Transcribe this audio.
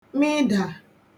mịdà